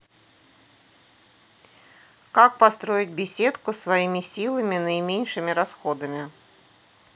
как построить беседку своими силами наименьшими расходами